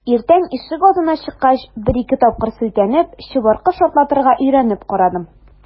Иртән ишегалдына чыккач, бер-ике тапкыр селтәнеп, чыбыркы шартлатырга өйрәнеп карадым.